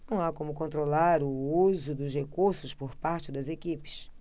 não há como controlar o uso dos recursos por parte das equipes